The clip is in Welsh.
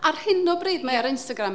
Ar hyn o bryd mae o ar Instagram.